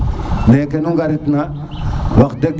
meke nu ngarit na wax deg